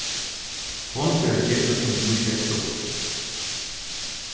hon fer at gera sum tú skeytst upp